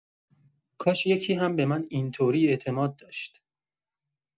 کاش یکی هم به من این‌طوری اعتماد داشت.